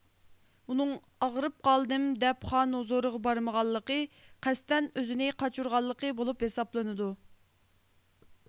ئۇنىڭ ئاغىرىپ قالدىم دەپ خان ھوزۇرىغا بارمىغانلىقى قەستەن ئۆزىنى قاچۇرغانلىقى بولۇپ ھېسابلىنىدۇ